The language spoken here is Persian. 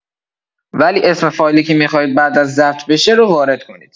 ولی اسم فایلی که می‌خواهید بعد از ضبط بشه رو وارد کنید.